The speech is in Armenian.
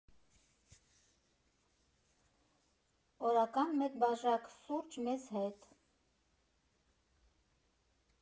Օրական մեկ բաժակ սուրճ մեզ հետ։